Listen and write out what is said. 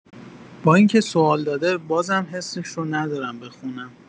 با اینکه سوال داده، بازم حسش رو ندارم بخونم